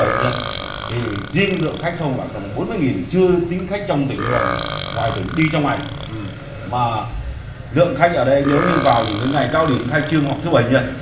bẩy chủ nhật thì riêng lượng khách thông là khoảng bốn mươi nghìn chưa tính khách trong tỉnh và ngoài tỉnh đi trong ngày mà lượng khách ở đây nếu như vào những cái ngày cao điểm khai trương hoặc thứ bẩy chủ nhật